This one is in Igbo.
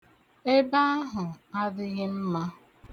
Ebe ahụ adịghị mma.